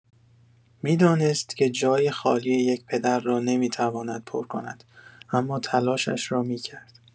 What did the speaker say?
می‌دانست که جای خالی یک پدر را نمی‌تواند پر کند، اما تلاشش را می‌کرد.